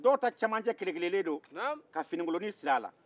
dɔw ta cɛmancɛ kɛlɛ-kɛlɛlen don ka finikoloni sir'a la